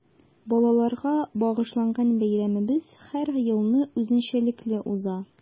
Балаларга багышланган бәйрәмебез һәр елны үзенчәлекле уза.